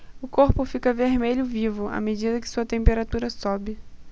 o corpo fica vermelho vivo à medida que sua temperatura sobe